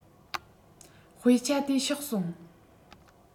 དཔེ ཆ དེ ཕྱོགས སོང